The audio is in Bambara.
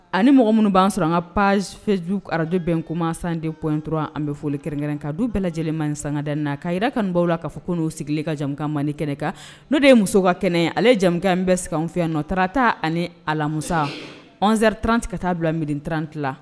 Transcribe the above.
Ani mɔgɔ minnu b'an sɔrɔ an ka pazsfɛjju arajobɛn koma san de p dɔrɔn an bɛ folili kɛrɛn ka du bɛɛ lajɛlen sangad na k'a jirara kan baw la'a fɔ ko n'u sigilen kajakan mali kɛnɛ kan n'o de ye muso ka kɛnɛ ale ye jamu in bɛ s fɛ yan nɔ taarata ani amusa zritranti ka taa bila miiri tranti